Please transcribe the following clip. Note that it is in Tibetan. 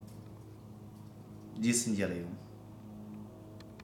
རྗེས སུ མཇལ ཡོང